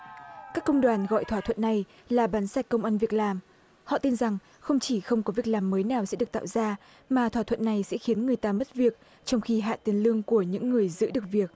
các công đoàn gọi thỏa thuận này là bánh xe công ăn việc làm họ tin rằng không chỉ không có việc làm mới nào sẽ được tạo ra mà thỏa thuận này sẽ khiến người ta mất việc trong khi hạ tiền lương của những người giữ được việc